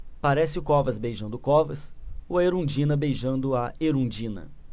parece o covas beijando o covas ou a erundina beijando a erundina